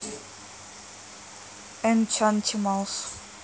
энчантималс